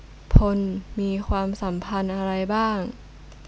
พลมีความสัมพันธ์อะไรบ้าง